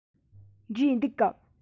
འབྲས འདུག གམ